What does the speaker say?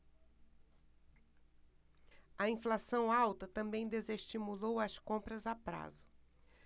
a inflação alta também desestimulou as compras a prazo